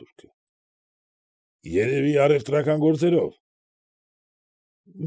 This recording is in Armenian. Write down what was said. Թուրքը։ ֊ Երևի առևտրական զորքերով։ ֊